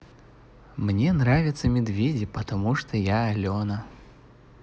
мне нравятся медведи потому что я алена